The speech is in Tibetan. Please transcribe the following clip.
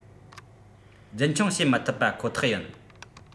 རྒྱུན འཁྱོངས བྱེད མི ཐུབ པ ཁོ ཐག ཡིན